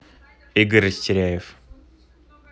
игорь растеряев